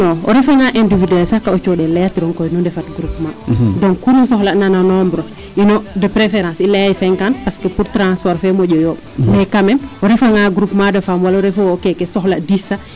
Non non o refanga individuel sax kaa o cooxel layatirong koy nu ndefat groupement danc kuunu soxlana no nombre ino de préférence i laya yee cinquante parce que pour transport fee moƴo yooɓ mais quand meme o refanga groupement de femme wala o ref keeke soxla dix sax .